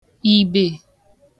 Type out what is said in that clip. ìbè